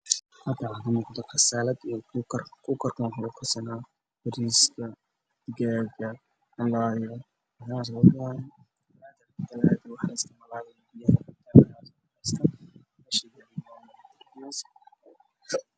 Waa qasaalad iyo kuukar iyo firiij